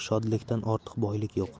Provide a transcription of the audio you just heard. shodlikdan ortiq boylik yo'q